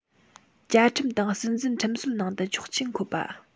བཅའ ཁྲིམས དང སྲིད འཛིན ཁྲིམས སྲོལ གྱི ནང དུ ཆོག མཆན འགོད པ